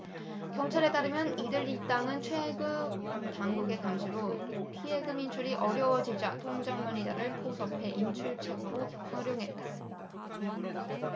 경찰에 따르면 이들 일당은 최근 당국의 감시로 피해금 인출이 어려워지자 통장명의자를 포섭해 인출책으로 활용했다